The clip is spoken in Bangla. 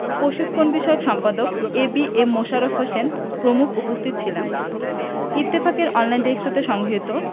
প্রশিক্ষণ বিষয়ক সম্পাদক A B M Mosharraf Hossain প্রমুখ উপস্থিত ছিলেন ইত্তফাকের অনলাইন ডেস্ক হতে সংগৃহীত